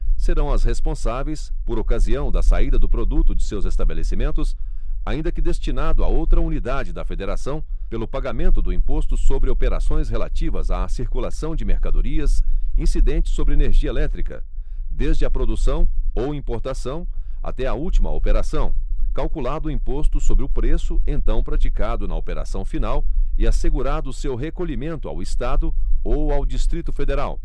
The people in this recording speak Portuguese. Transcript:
serão as responsáveis por ocasião da saída do produto de seus estabelecimentos ainda que destinado a outra unidade da federação pelo pagamento do imposto sobre operações relativas à circulação de mercadorias incidente sobre energia elétrica desde a produção ou importação até a última operação calculado o imposto sobre o preço então praticado na operação final e assegurado seu recolhimento ao estado ou ao distrito federal